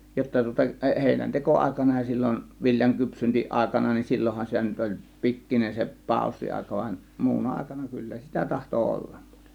jotta tuota - heinänteko aikana ja silloin viljan kypsyntäaikana niin silloinhan sitä nyt oli pikkuinen se paussiaika vaan muuna aikana kyllä sitä tahtoi olla muuten